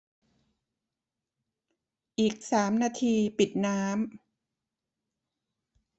อีกสามนาทีปิดน้ำ